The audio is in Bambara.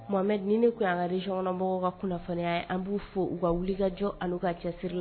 Tuma mɛ ni ne tun' karesiɔnmɔgɔw ka kunnafoniya ye an b'u fɔ u ka wuli kajɔ olu ka cɛsiri la